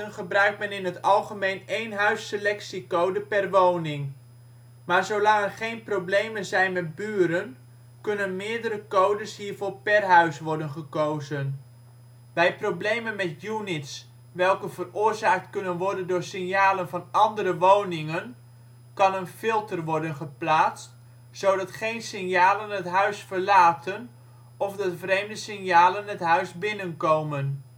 men in het algemeen 1 huisselectie-code per woning, maar zo lang er geen problemen zijn met buren kunnen meerdere codes hiervoor per huis worden gekozen. Bij problemen met units welke veroorzaakt kunnen worden door signalen van andere woningen kan een filter worden geplaatst zodat geen signalen het huis verlaten of dat vreemde signalen het huis binnenkomen